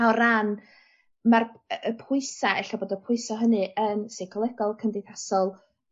O ran ma'r y y pwysa' ella bod y pwyso hynny yn seicolegol cymdeithasol